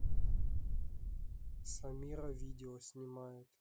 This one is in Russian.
самира видео снимает